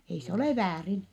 ei se ole väärin